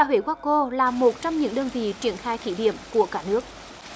và huyện khoa cô là một trong những đơn vị triển khai thí điểm của cả nước